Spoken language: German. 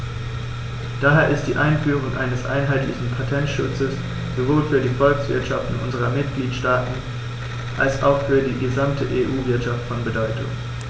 Daher ist die Einführung eines einheitlichen Patentschutzes sowohl für die Volkswirtschaften unserer Mitgliedstaaten als auch für die gesamte EU-Wirtschaft von Bedeutung.